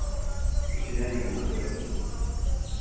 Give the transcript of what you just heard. ikki renna inni í køkinum